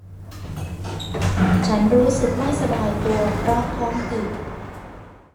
ฉันรู้สึกไม่สบายตัวเพราะท้องอืด